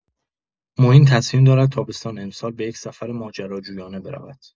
معین تصمیم دارد تابستان امسال به یک سفر ماجراجویانه برود.